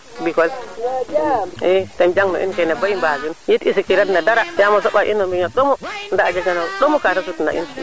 sa miñit neen no o bugo poccuper kaga tout so en plus o nara doon teen naro gara ɗinga leeke rose iid manam refe probleme na nuun daal